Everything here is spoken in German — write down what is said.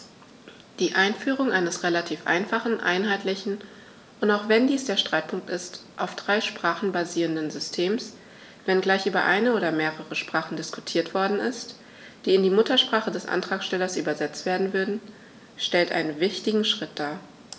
Die Einführung eines relativ einfachen, einheitlichen und - auch wenn dies der Streitpunkt ist - auf drei Sprachen basierenden Systems, wenngleich über eine oder mehrere Sprachen diskutiert worden ist, die in die Muttersprache des Antragstellers übersetzt werden würden, stellt einen wichtigen Schritt dar.